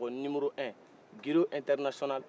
francais